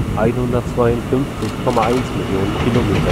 152,1 Mio. km). Die